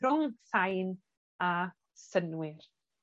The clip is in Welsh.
rhwng sain a synnwyr.